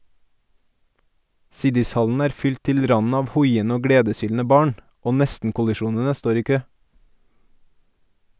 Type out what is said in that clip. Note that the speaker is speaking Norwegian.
Siddishallen er fylt til randen av hoiende og gledeshylende barn, og nestenkollisjonene står i kø.